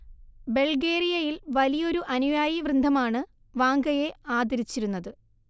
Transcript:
ബൾഗേറിയയിൽ വലിയൊരു അനുയായി വൃന്ദമാണ് വാംഗയെ ആദരിച്ചിരുന്നത്